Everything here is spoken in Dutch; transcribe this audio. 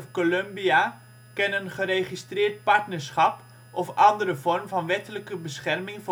Columbia kennen geregistreerd partnerschap of andere vorm van wettelijke bescherming